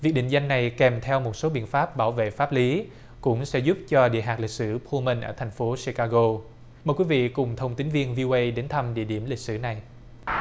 việc định danh này kèm theo một số biện pháp bảo vệ pháp lý cũng sẽ giúp cho địa hạt lịch sử phua mưn ở thành phố chi ca gô mời quý vị cùng thông tín viên vi âu ây đến thăm địa điểm lịch sử này